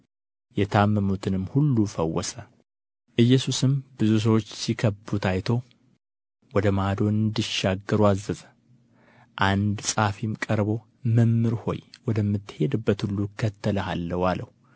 የታመሙትንም ሁሉ ፈወሰ ኢየሱስም ብዙ ሰዎች ሲከቡት አይቶ ወደ ማዶ እንዲሻገሩ አዘዘ አንድ ጻፊም ቀርቦ መምህር ሆይ ወደምትሄድበት ሁሉ እከተልሃለሁ አለው